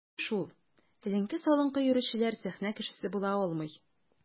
Сүзем шул: эленке-салынкы йөрүчеләр сәхнә кешесе була алмый.